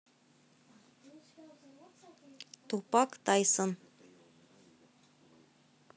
тупак тайсон